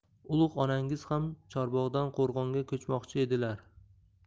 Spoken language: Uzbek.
ulug' onangiz ham chorbog'dan qo'rg'onga ko'chmoqchi edilar